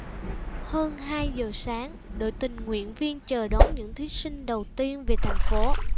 hơn hai giờ sáng đội tình nguyện viên chờ đón những thí sinh đầu tiên về thành phố